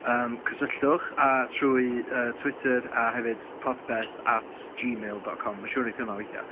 Yym, cysylltwch a... trwy yy Twitter a hefyd podpeth at gmail dot com. Ma' siŵr wneith hwnna weithio.